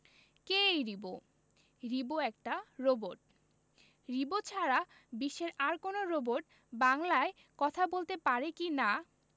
কে এই Ribo Ribo একটা robot Ribo ছাড়া বিশ্বের আর কোনো রোবট বাংলায় কথা বলতে পারে কি না